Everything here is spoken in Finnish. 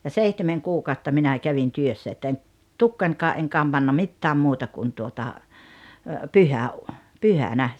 ja seitsemän kuukautta minä kävin työssä että en tukkaanikaan en kammannut mitään muuta kuin tuota - pyhänä